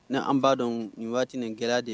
Ni an b'a dɔn nin waati ni gɛlɛya de ye